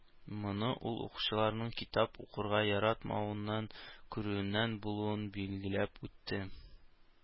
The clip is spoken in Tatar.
Моны ул укучыларның китап укырга яратмавыннан күрүеннән булуын билгеләп үтте.